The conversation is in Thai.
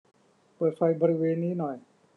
เปิดไฟบริเวณนี้หน่อย